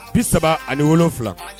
Bi saba aniwula